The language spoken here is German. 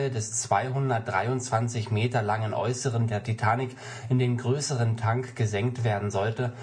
des 223 Meter langen Äußeren der Titanic in den größeren Tank gesenkt werden sollte